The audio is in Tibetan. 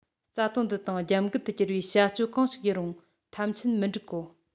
རྩ དོན འདི དང རྒྱབ འགལ དུ གྱུར བའི བྱ སྤྱོད གང ཞིག ཡིན རུང ཐམས ཅད མི འགྲིག གོ